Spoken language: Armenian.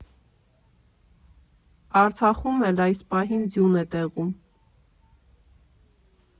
Արցախում էլ այս պահին ձյուն է տեղում։